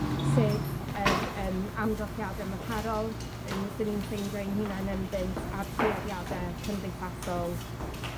sef yr yym amgylchiade materol, yym 'dyn ni'n ffeindio ein hunain ynddynt, a'r tueddiade cymdeithasol